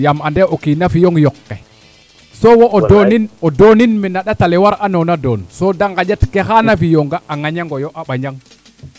yaam ande o kiina fiyong yoqe soo wo o doonin na ndatale war a noona doon so de ngaƴat kee xaana fiyonga a ŋañangoyo a ɓañang